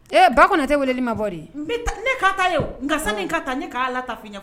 Ee ba kunna tɛ weleli ma bɔ de n ne' taa nka ka sanu ka ta ne' la